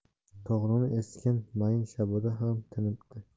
tog'dan esgan mayin shaboda ham tinibdi